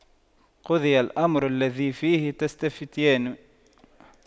قُضِيَ الأَمرُ الَّذِي فِيهِ تَستَفِتيَانِ